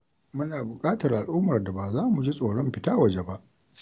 Muna buƙatar al'ummar da ba za mu ji tsoron fita waje ba!